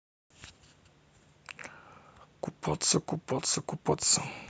купаться купаться купаться